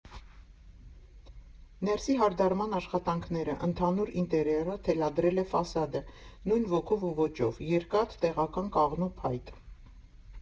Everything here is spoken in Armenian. Ներսի հարդարման աշխատանքները, ընդհանուր ինտերերը թելադրել է ֆասադը՝ նույն ոգով ու ոճով՝ երկաթ, տեղական կաղնու փայտ։